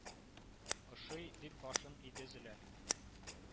Ошый,- дип башын иде Зөләл